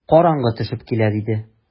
Караңгы төшеп килә, - диде.